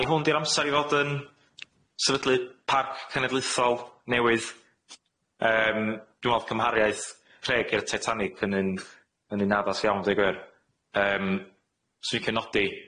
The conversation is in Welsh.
Ai hwn di'r amser i fod yn sefydlu parc cenedluthol newydd yym dwi me'wl cymhariaeth teg i'r Titanic yn un yn un addas iawn deud gwir. Yym 'swn i'n licio nodi